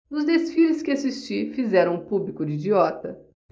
nos desfiles que assisti fizeram o público de idiota